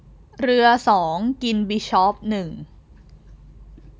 เรือสองกินบิชอปหนึ่ง